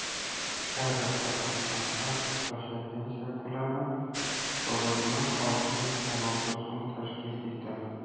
Хәзер Татарстанда уртача пенсия күләме 9616 сум тәшкил итә.